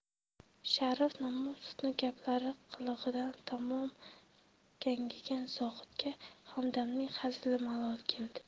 sharif namozovning gaplari qilig'idan tamom gangigan zohidga hamdamning hazili malol keldi